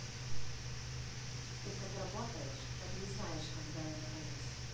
ты как работаешь так не знаешь когда я нахожусь